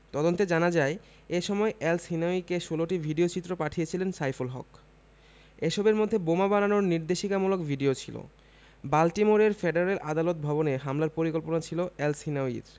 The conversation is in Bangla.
তদন্তে জানা যায় এ সময় এলসহিনাউয়িকে ১৬টি ভিডিওচিত্র পাঠিয়েছিলেন সাইফুল হক এসবের মধ্যে বোমা বানানোর নির্দেশিকামূলক ভিডিও ছিল বাল্টিমোরের ফেডারেল আদালত ভবনে হামলার পরিকল্পনা ছিল এলসহিনাউয়ির